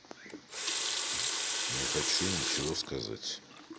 не хочу ничего сказать